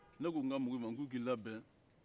ne ko n ka mɔgɔw ma k'u k'i labɛn